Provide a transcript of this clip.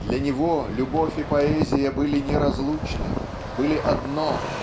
Для него любовь и поэзия были неразлучны были одно